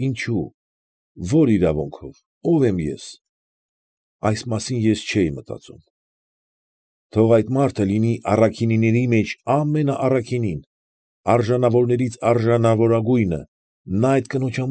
Ինչո՞ւ, ո՞ր իրավունքով, ո՞վ եմ ես, այս մասին ես չէի մտածում։ ֊ Թող այդ մարդը լիներ առաքինիների մեջ ամենաառաքինին, արժանավորներից արժանավորագույնը, նա այդ կնոջ։